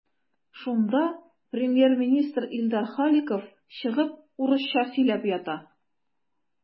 Шунда премьер-министр Илдар Халиков чыгып урысча сөйләп ята.